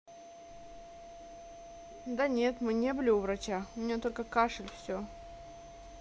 да нет мы не были у врача у меня только кашель все